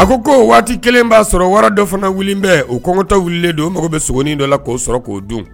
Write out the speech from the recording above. a ko ko waati kelen b'a sɔrɔ wara dɔ fana bɛ o kɔngota wililen don mago bɛ sogonin dɔ la k'o sɔrɔ k'o dun